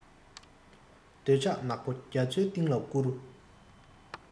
འདོད ཆགས ནག པོ རྒྱ མཚོའི གཏིང ལ བསྐྱུར